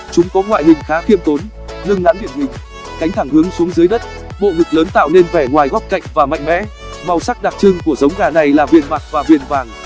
chúng có ngoại hình khá khiêm tốn lưng ngắn điển hình cánh thẳng hướng xuống dưới đất bộ ngực lớn tạo nên vẻ ngoài góc cạnh và mạnh mẽ màu sắc đặc trưng của giống gà này là viền bạc và viền vàng